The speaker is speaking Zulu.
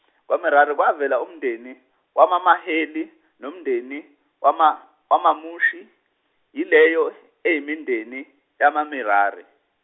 kwaMerari kwavela umndeni wamaMaheli nomndeni wama-, wamaMushi yileyo eyimindeni yamaMerari.